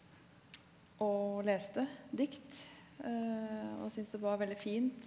og leste dikt og syns det var veldig fint.